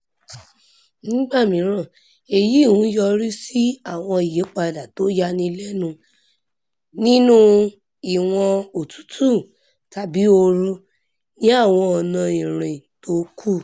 Nígbà mìíràn èyí ńyọrísí àwọn ìyípadà tó yanilẹ́nu nínú ìwọ̀n otútù tàbí ooru ní àwọn ọ̀nà ìrìn tó kúrú.